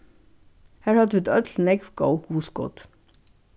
har høvdu vit øll nógv góð hugskot